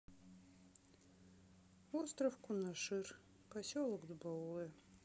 остров кунашир поселок дубовое